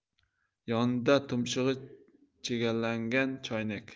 yonida tumshug'i chegalangan choynak